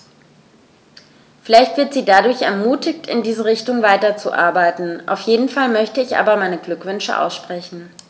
Vielleicht wird sie dadurch ermutigt, in diese Richtung weiterzuarbeiten, auf jeden Fall möchte ich ihr aber meine Glückwünsche aussprechen.